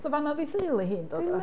So fan'na oedd ei theulu hi'n dod o?